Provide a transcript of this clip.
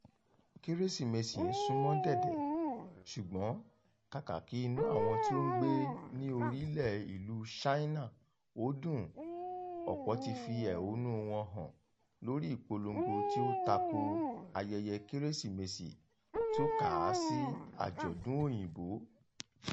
Kérésìmesì ń sún mọ́ dẹ̀dẹ̀ ṣùgbọ́n kàkà kí inú àwọn tí ó ń gbé ní orí-ilẹ̀ ìlú China ò dùn, ọ̀pọ́ ti fi ẹ̀hónú-u wọn hàn lórí ìpolongo tí ó tako ayẹyẹ Kérésìmesì tí ó kà á sí àjọ̀dún Òyìnbó.